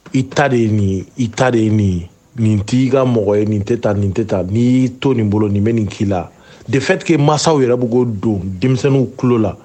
I ta de ye nin i ta de ye nin nin t i ka mɔgɔ ye nin tɛ taa nin tɛ taa n'i y'i to nin bolo nin bɛ nin k'i la defetigi mansaw yɛrɛ bɛ ko don denmisɛnninw tulo la